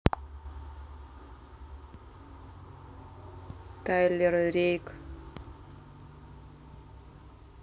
тайлер рейк